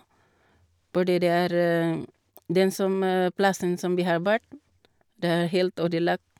Fordi det er den som plassen som vi har vært, det er helt ødelagt.